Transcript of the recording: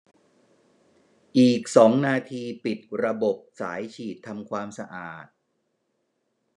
อีกสองนาทีปิดระบบสายฉีดทำความสะอาด